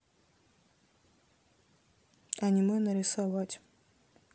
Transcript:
аниме нарисовать